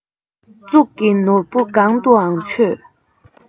གཙུག གི ནོར བུ གང དུའང མཆོད